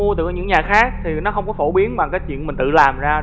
mua từ những nhà khác thì nó không có phổ biến bằng cái chuyện mà tự làm ra